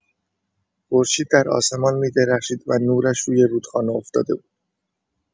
خورشید در آسمان می‌درخشید و نورش روی رودخانه افتاده بود.